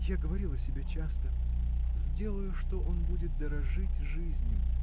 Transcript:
Я говорила себе часто: сделаю, что он будет дорожить жизнью.